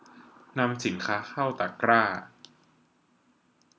นำสินค้าเข้าตะกร้า